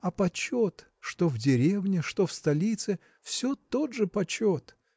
А почет – что в деревне, что в столице – все тот же почет.